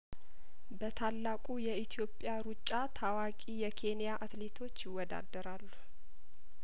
በታላቁ የኢትዮጵያ ሩጫ ታዋቂ የኬንያ አትሌቶች ይወዳደራሉ